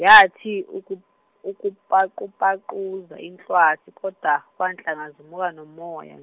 yathi uku- ukupaqupaquza inhlwathi kodwa, kwanhlanga zimuka nomoya n-.